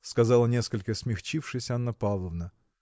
– сказала, несколько смягчившись, Анна Павловна.